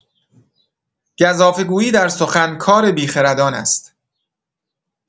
گزافه‌گویی در سخن کار بی‌خردان است!